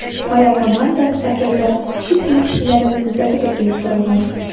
“моя команда” пакеты чит ил кешеләрен күздә тотып оештырылган.